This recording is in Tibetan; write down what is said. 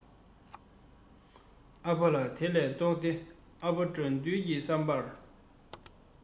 ཨ ཕ ལ དེ ལས ལྡོག སྟེ ཨ ཕ དགྲ འདུལ གྱི བསམ པར